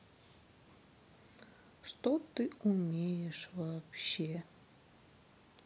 что ты умеешь вообще